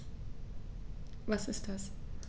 Was ist das?